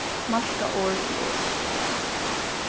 marka orð til orð